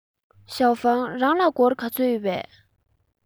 ཞའོ ཧྥང རང ལ སྒོར ག ཚོད ཡོད པས